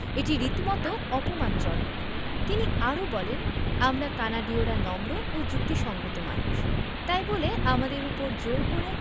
এটি রীতিমতো অপমানজনক তিনি আরও বলেন আমরা কানাডীয়রা নম্র ও যুক্তিসংগত মানুষ তাই বলে আমাদের ওপর জোর করে